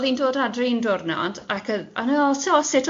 oedd hi'n dod adre un diwrnod ac oedd o'n i'n fel so sut